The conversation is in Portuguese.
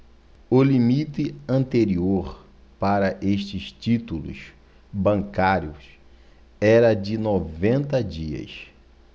o limite anterior para estes títulos bancários era de noventa dias